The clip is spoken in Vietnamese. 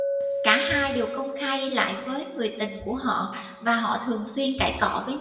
cả hai đều công khai đi lại với người tình của họ và họ thường xuyên cãi cọ với